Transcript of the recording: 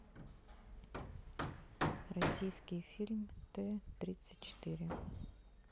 российский фильм т тридцать четыре